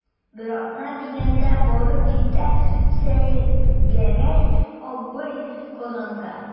Бер атна дигәндә барып җитә Сәетгәрәй абый Казанга.